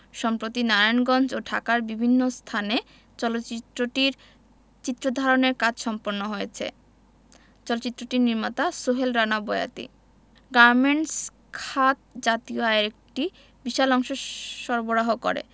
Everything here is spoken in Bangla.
সম্প্রতি নারায়ণগঞ্জ ও ঢাকার বিভিন্ন স্থানে চলচ্চিত্রটির চিত্র ধারণের কাজ সম্পন্ন হয়েছে চলচ্চিত্রটির নির্মাতা সোহেল রানা বয়াতি গার্মেন্টস খাত জাতীয় আয়ের একটি বিশাল অংশ সরবারহ করে